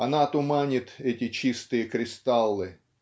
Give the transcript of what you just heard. Она туманит эти чистые кристаллы.